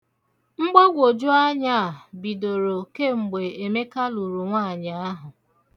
Mgbagwoju anya a bidoro kemgbe Emeka lụrụ nwaanyị ahụ.